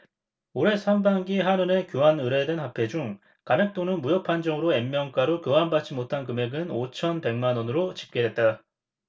올해 상반기 한은에 교환 의뢰된 화폐 중 감액 또는 무효판정으로 액면가로 교환받지 못한 금액은 오천 백 만원으로 집계됐다